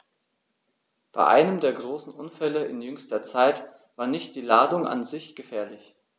Bei einem der großen Unfälle in jüngster Zeit war nicht die Ladung an sich gefährlich.